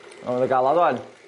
Ma' myn' yn galad ŵan.